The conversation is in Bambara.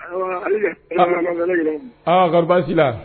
H ka baasi la